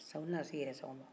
sisan u nana se yɛrɛsago ma